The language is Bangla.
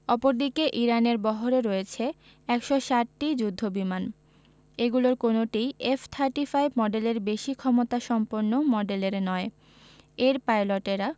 অপরদিকে ইরানের বহরে রয়েছে ১৬০টি যুদ্ধবিমান এগুলোর কোনোটিই এফ থার্টি ফাইভ মডেলের বেশি ক্ষমতাসম্পন্ন মডেলের নয় এর পাইলটেরা